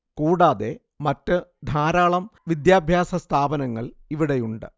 കൂടാതെ മറ്റ് ധാരാളം വിദ്യാഭ്യാസ സ്ഥാപനങ്ങള്‍ ഇവിടെയുണ്ട്